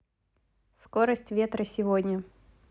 скорость ветра сегодня